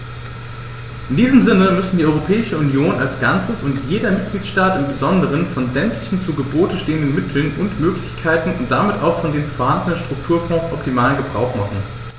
In diesem Sinne müssen die Europäische Union als Ganzes und jeder Mitgliedstaat im Besonderen von sämtlichen zu Gebote stehenden Mitteln und Möglichkeiten und damit auch von den vorhandenen Strukturfonds optimalen Gebrauch machen.